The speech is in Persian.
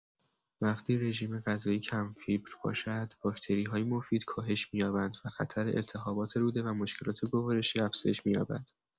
وقتی رژیم‌غذایی کم‌فیبر باشد، باکتری‌های مفید کاهش می‌یابند و خطر التهابات روده و مشکلات گوارشی افزایش می‌یابد.